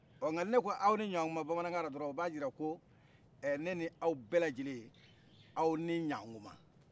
ɔ nka ni ne k'aw ni ɲakuma bamanankanna drɔn o bajira k' ɛ ne n'aw bɛlajɛle aw ni ɲakuma